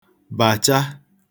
bàcha